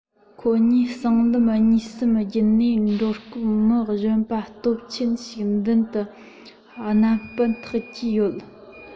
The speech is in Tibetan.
ཁོ གཉིས སྲང ལམ གཉིས གསུམ བརྒྱུད ནས འགྲོ སྐབས མི གཞོན པ སྟོབས ཆེན ཞིག མདུན དུ སྣམ སྤུ འཐགས ཀྱི ཡོད